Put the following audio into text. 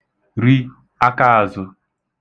ri akaāzụ̄